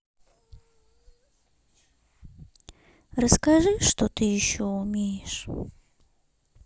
расскажи что ты еще умеешь